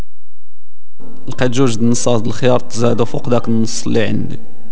هل يجوز الخياط زياده فوق لكن اللي عندي